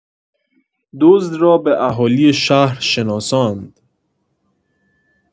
دزد را به اهالی شهر شناساند